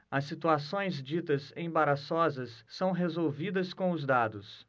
as situações ditas embaraçosas são resolvidas com os dados